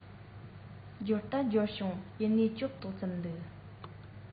འབྱོར ད འབྱོར བྱུང ཡིན ནའི སྐྱོན ཏོག ཙམ འདུག